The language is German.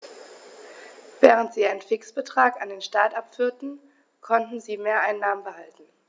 Während sie einen Fixbetrag an den Staat abführten, konnten sie Mehreinnahmen behalten.